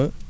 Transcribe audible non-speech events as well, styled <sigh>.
<hesitation> <hesitation>